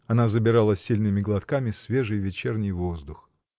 Она забирала сильными глотками свежий, вечерний воздух.